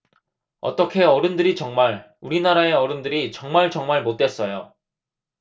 어떻게 어른들이 정말 우리나라의 어른들이 정말정말 못됐어요